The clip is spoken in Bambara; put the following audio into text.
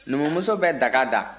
numumuso bɛ daga da